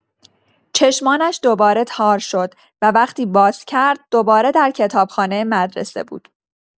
چشمانش دوباره تار شد، و وقتی باز کرد، دوباره در کتابخانه مدرسه بود.